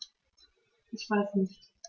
Ich weiß nicht.